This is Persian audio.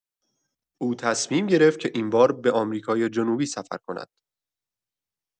او تصمیم گرفت که این بار به آمریکای جنوبی سفر کند.